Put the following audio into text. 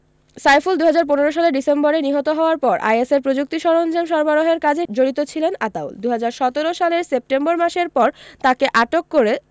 সাইফুল ২০১৫ সালের ডিসেম্বরে নিহত হওয়ার পর আইএসের প্রযুক্তি সরঞ্জাম সরবরাহের কাজে জড়িত ছিলেন আতাউল ২০১৭ সালের সেপ্টেম্বর মাসের পর তাকে আটক করে